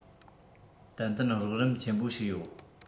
ཏན ཏན རོགས རམ ཆེན པོ ཞིག ཡོད